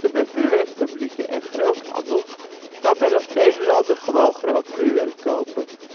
bij vuurwerkfabrieken en groothandels kan men als Nederlander gewoon groot vuurwerk kopen